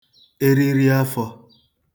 eriri afọ̄